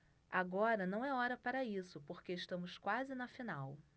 agora não é hora para isso porque estamos quase na final